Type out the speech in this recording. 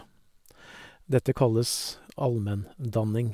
Dette kalles allmenndanning.